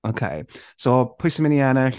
Okay, so pwy sy'n mynd i ennill?